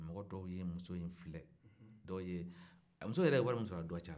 mɔgɔ dɔw ye muso in filɛ dɔw ye muso yɛrɛ wari min sɔr'a don a cayara